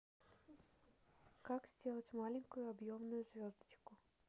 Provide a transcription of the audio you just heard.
как сделать маленькую объемную звездочку